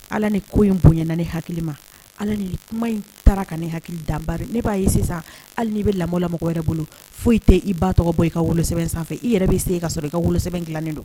Ala ni ko in bonya na ni hakili ma ala ni kuma in taara ka ne hakili dabari ne b'a ye sisan hali'i bɛ lamɔlamɔgɔ yɛrɛ bolo foyi tɛ i ba tɔgɔ bɔ i kasɛ sanfɛ i yɛrɛ bɛ sen ka sɔrɔ i ka wusɛbɛ dilanen don